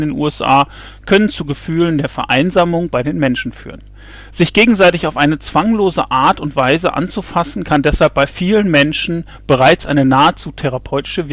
USA können zu Gefühlen der Vereinsamung bei den Menschen führen. Sich gegenseitig auf eine zwanglose Art und Weise anzufassen kann deshalb bei vielen Menschen bereits eine nahezu therapeutische